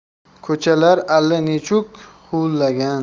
ko'chalar allanechuk huvillagan